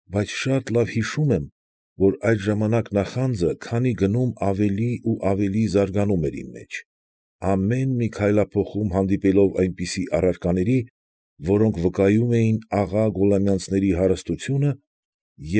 Բայց շատ լավ հիշում եմ, որ այդ ժամանակ նախանձը քանի գնում ավելի ու ավելի զարգանում էր իմ մեջ, ամեն մի քայլափոխում հանդիպելով այնպիսի առարկաների, որոնք վկայում էին աղա Գուլամյանցների հարստությունը և։